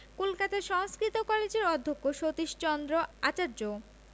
কলকাতা সংস্কৃত কলেজের অধ্যক্ষ সতীশচন্দ্র আচার্য